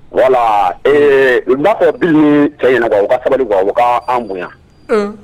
Wala u'a fɔ bi cɛ ɲɛna ka sabali ka an bonyayan